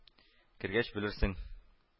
Кергәч белерсең